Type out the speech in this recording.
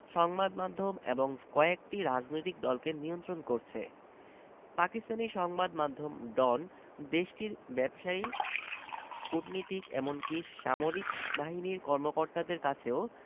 সংবাদ মাধ্যম এবং কয়েকটি রাজনৈতিক দলকে নিয়ন্ত্রণ করছে পাকিস্তানি সংবাদ মাধ্যম ডন দেশটির ব্যবসায়ী কূটনীতিক এমনকি সামরিক বাহিনীর কর্মকর্তাদের কাছেও